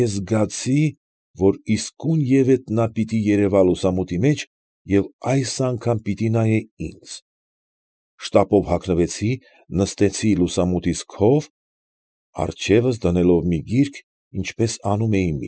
Ես զգացի, որ իսկույն ևեթ նա պիտի երևա լուսամուտի մեջ և այս անգամ պիտի նայե ինձ. շտապով հագնվեցի, նստեցի լուսամուտիս քով, առջևս դնելով մի գիրք, ինչպես անում էի։